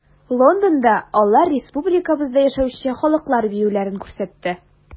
Лондонда алар республикабызда яшәүче халыклар биюләрен күрсәтте.